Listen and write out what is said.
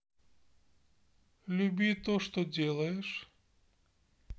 люби то что делаешь